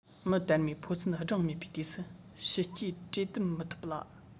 མི དར མའི ཕོ མཚན འགྲེང མེད པའི དུས སུ ཕྱི སྐྱིས དཀྲེ བཏུམ མི ཐུབ ལ